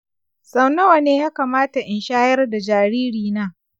sau nawa ne ya kamata in shayar da jaririna?